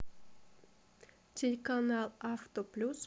телеканал авто плюс